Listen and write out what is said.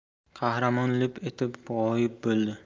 qahramon lip etib g'oyib bo'ldi